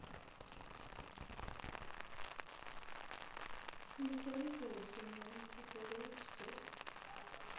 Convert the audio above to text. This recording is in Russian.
смотреть лучшие мультики русские